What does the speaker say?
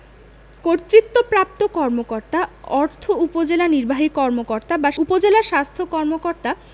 কর্তৃত্তবপ্রাপ্ত কর্মকর্তা অর্থ উপজেলা নির্বাহী কর্মকর্তা বা উপজেলা স্বাস্থ্য কর্মকর্তা